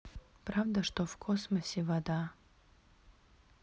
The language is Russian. правда что в космосе вода